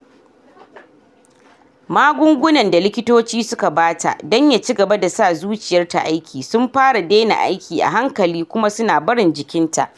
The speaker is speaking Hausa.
Magungunan da likitoci suka bata don ya cigaba da sa zuciyar ta aiki, sun fara dena aiki a hankali kuma su na barin jikinta.